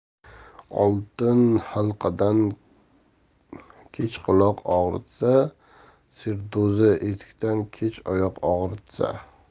oltin halqadan kech quloq og'ritsa zardo'zi etikdan kech oyoq og'ritsa